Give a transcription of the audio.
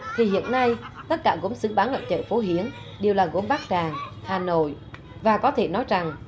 thì hiện nay tất cả gốm sứ bán ở chợ phố hiến đều là gốm bát tràng hà nội và có thể nói rằng